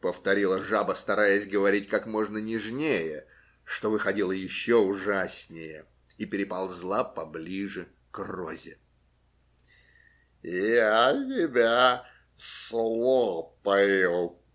- повторила жаба, стараясь говорить как можно нежнее, что выходило еще ужаснее, и переползла поближе к розе. - Я тебя слопаю!